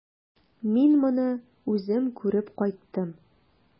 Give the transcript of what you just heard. Мин моны үзем күреп кайттым.